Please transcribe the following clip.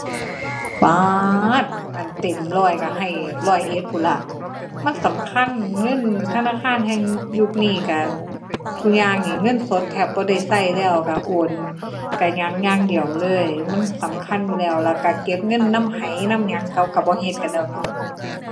ป๊าด อันเต็มร้อยก็ให้ร้อยเอ็ดพู้นล่ะ มันสำคัญ เงิน ธนาคารแฮ่งยุคนี้ก็ ซุอย่างนี้เงินสดแทบบ่ได้ก็แล้ว ก็โอนก็หยังอย่างเดียวเลย มันสำคัญอยู่แล้ว แล้วก็เก็บเงินนำไหนำหยัง เขาก็บ่เฮ็ดกันแล้วเนาะ